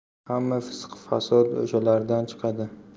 hamma fisq fasod o'shalardan chiqadi